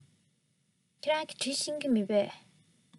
ཁྱེད རང གིས འབྲི ཤེས ཀྱི མེད པས